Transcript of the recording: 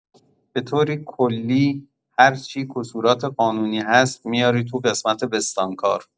بطوری کلی هرچی کسورات قانونی هست میاری تو قسمت بستانکار